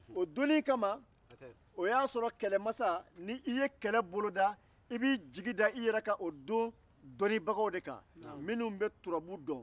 o donnin kama o y'a sɔrɔ kɛlɛmasa ni i ye kɛlɛ boloda i b'i jigi da i yɛrɛ ka o don dɔnnibagaw de kan minnu bɛ turabu dɔn